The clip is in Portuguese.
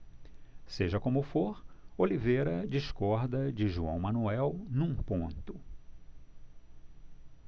seja como for oliveira discorda de joão manuel num ponto